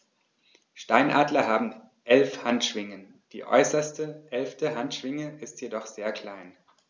Steinadler haben 11 Handschwingen, die äußerste (11.) Handschwinge ist jedoch sehr klein.